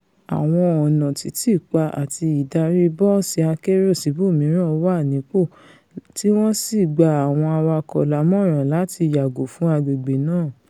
Àwọn ọ̀nà títìpa àti ìdarí bọ́ọ̀sì-akérò síbòmíràn wá nípò tí wọ́n sì gba àwọn awakọ̀ lámọ̀ràn láti yàgò fún agbègbè̀̀ náà.